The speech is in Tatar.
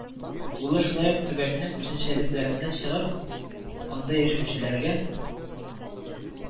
Улы, шулай ук, төбәкнең үзенчәлекләреннән чыгып, анда яшәүчеләргә